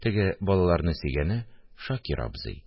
Теге балаларны сөйгәне – шакир абзый